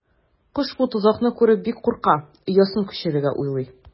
Кош бу тозакны күреп бик курка, оясын күчерергә уйлый.